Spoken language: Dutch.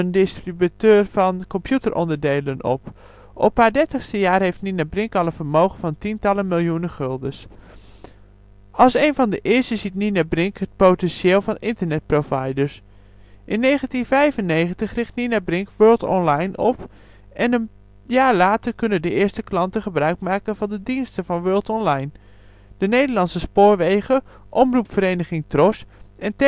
distributeur van computeronderdelen, op. Op haar 30e jaar heeft Nina Brink al een vermogen van tientallen miljoenen guldens. Als een van de eersten ziet Nina Brink het potentieel van internetproviders. In 1995 richt Nina Brink World Online op en een jaar later kunnen de eerste klanten gebruik maken van de diensten van World Online. De Nederlandse Spoorwegen, omroepvereniging TROS en telecombedrijf